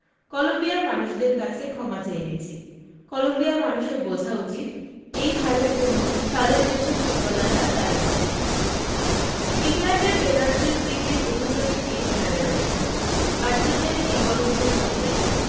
কলম্বিয়ার মানুষের কাছে ক্ষমা চেয়ে নিচ্ছি কলম্বিয়ার মানুষের বোঝা উচিত এই হারের জন্য তাদের দেশের ফুটবলাররা দায়ী নয় ইংল্যান্ডের পেনাল্টির দিকে অভিযোগের তির ম্যারাডোনার আর্জেন্টাইন কিংবদন্তির মতে